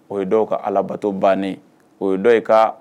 O ye dɔw ka alabato bannen o ye dɔw ye ka